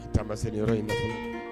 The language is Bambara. Tamasenyɔrɔ in ma fɔlɔ